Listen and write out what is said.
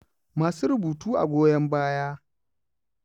Masu rubutu a goyon baya